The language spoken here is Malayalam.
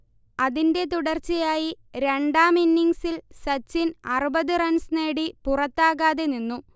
അതിന്റെ തുടർച്ചയായി രണ്ടാം ഇന്നിംങ്സിൽ സച്ചിൻ അറുപത് റൺസ് നേടി പുറത്താകാതെനിന്നു